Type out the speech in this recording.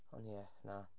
Ond ie, na.